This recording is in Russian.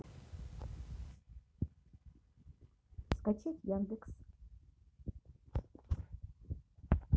скачать яндекс